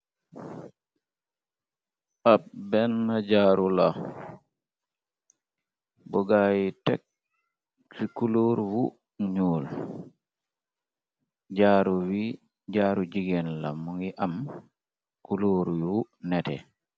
ab benn jaaru la bugaayi tekk ci kulóor wu ñuul jaru wi jaaru jigéen la mu ngi am kulóor yu nete